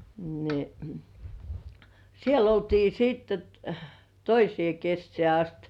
niin siellä oltiin sitten - toiseen kesään asti